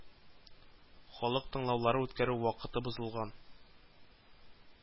Халык тыңлаулары үткәрү вакыты бозылган